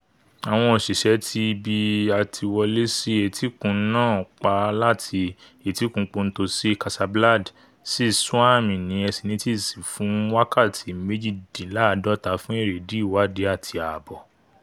Àwọn òṣìṣẹ́ ti ibi àtiwọlé sí etíkun náà pa láti Etíkun Ponto ní Casablad sí Swami ní Ecinitas fún wákàtí méjìdínláàdọ́ta fún èrèdí ìwáàdí àti ààbó.